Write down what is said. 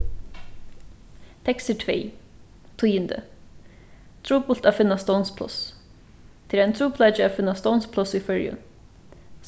tekstur tvey tíðindi trupult at finna stovnspláss tað er ein trupulleiki at finna stovnspláss í føroyum